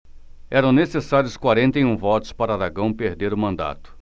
eram necessários quarenta e um votos para aragão perder o mandato